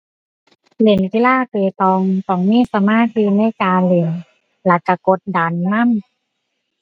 เล่นกีฬาเปตอง ต้องมีสมาธิในการเล่นแล้วก็กดดันนำ